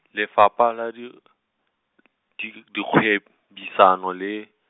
Lefapha la Di-, Di-, Dikgwebisano le.